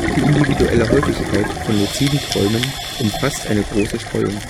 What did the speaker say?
die individuelle Häufigkeit von luziden Träumen umfasst eine große Streuung